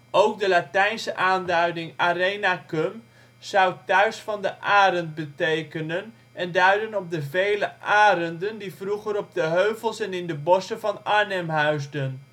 Ook de Latijnse aanduiding Arenacum zou thuis van de arend betekenen en duiden op de vele arenden die vroeger op de heuvels en in de bossen van Arnhem huisden